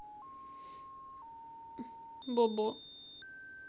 бо бо